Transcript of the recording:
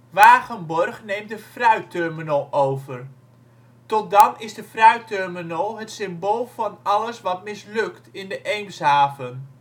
Wagenborg neemt de fruitterminal over. Tot dan is de fruitterminal het symbool van alles wat mislukt in de Eemshaven